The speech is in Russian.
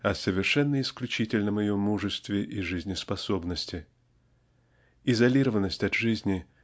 о совершенно исключительном ее мужестве и жизнеспособности. Изолированность от жизни